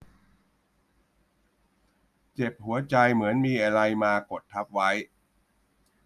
เจ็บหัวใจเหมือนมีอะไรมีกดทับไว้